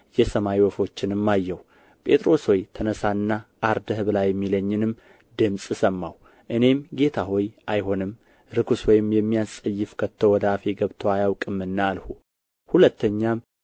የሰማይ ወፎችንም አየሁ ጴጥሮስ ሆይ ተነሣና አርደህ ብላ የሚለኝንም ድምፅ ሰማሁ እኔም ጌታ ሆይ አይሆንም ርኵስ ወይም የሚያስጸይፍ ከቶ ወደ አፌ ገብቶ አያውቅምና አልሁ ሁለተኛም